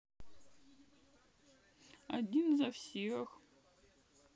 один за всех